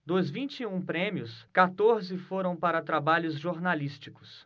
dos vinte e um prêmios quatorze foram para trabalhos jornalísticos